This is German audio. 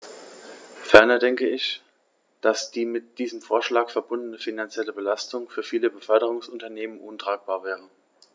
Ferner denke ich, dass die mit diesem Vorschlag verbundene finanzielle Belastung für viele Beförderungsunternehmen untragbar wäre.